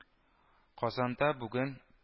Казанда буген